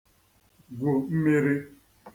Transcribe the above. gwù mmīrī